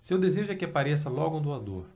seu desejo é de que apareça logo um doador